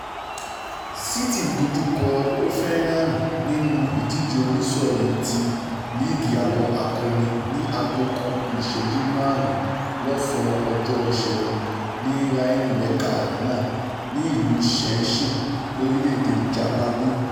City ńdojúkọ Hoffenheim nínú ìdíje oníṣòrí ti Líìgì Àwọn Akọni ní aago kan ku ìṣẹ́jú máàrún lọ́ọ̀sán ọjọ́ Ìṣẹ́gun ní Rhein-Neckar-Arena ní ìlú Sinsheim, lorilẹ̵-ede Jamani.